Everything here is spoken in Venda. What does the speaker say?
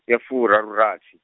ya furarurathi.